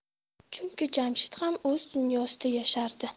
chunki jamshid ham o'z dunyosida yashardi